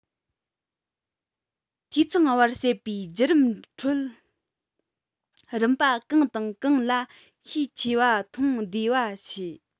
འཐུས ཚང བར བྱེད པའི བརྒྱུད རིམ ཁྲོད རིམ པ གང དང གང ལ ཤས ཆེ བ མཐོང བདེ བ བྱས